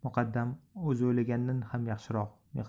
muqaddam o'zi o'ylaganidan ham yaxshiroq